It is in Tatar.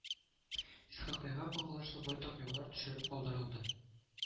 Исхакыйга кагылышлы байтак юллар төшереп калдырылды